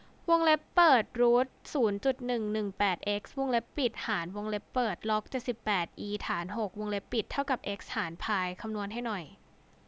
วงเล็บเปิดรูทศูนย์จุดหนึ่งหนึ่งแปดเอ็กซ์วงเล็บปิดหารวงเล็บเปิดล็อกเจ็ดสิบแปดอีฐานหกวงเล็บปิดเท่ากับเอ็กซ์หารพายคำนวณให้หน่อย